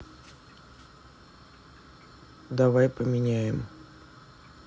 давай поменяем